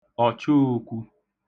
ọ̀choōkwū